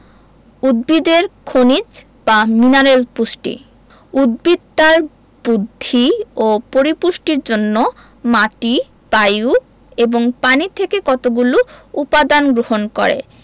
উদ্ভিদের খনিজ বা মিনারেল পুষ্টি উদ্ভিদ তার বুদ্ধি ও পরিপুষ্টির জন্য মাটি বায়ু এবং পানি থেকে কতগুলো উপদান গ্রহণ করে